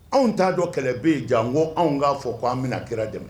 Anw t'a dɔn kɛlɛ bɛ yen, jan ko anw k'a fɔ k'an bɛna kira dɛmɛ